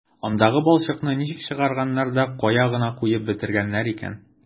Андагы балчыкны ничек чыгарганнар да кая гына куеп бетергәннәр икән...